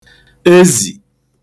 ezì